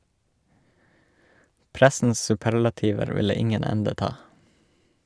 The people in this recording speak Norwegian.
Pressens superlativer ville ingen ende ta.